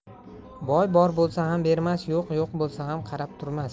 boy bor bo'lsa ham bermas yo'q yo'q bo'lsa ham qarab turmas